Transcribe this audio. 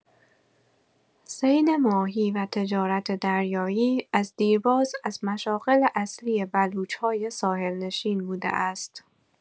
صید ماهی و تجارت دریایی از دیرباز از مشاغل اصلی بلوچ‌های ساحل‌نشین بوده است.